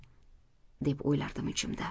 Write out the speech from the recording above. deb o'ylardim ichimda